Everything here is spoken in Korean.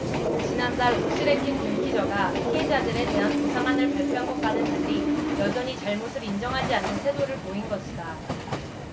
지난달 옥시레킷벤키저가 피해자들에 대한 보상안을 발표한 것과는 달리 여전히 잘못을 인정하지 않는 태도를 보인 것이다